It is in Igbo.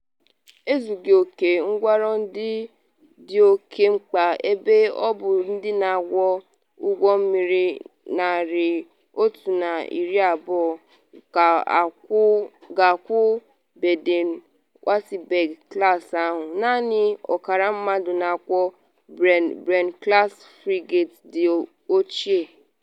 Ezughị oke ngwanro dị oke mkpa ebe ọ bụ ndị na-akwọ ụgbọ mmiri 120 ga-akwọ Baden-Wuerttemberg-class ahụ - naanị ọkara mmadụ na-akwọ Bremen class frigate ndị ochie.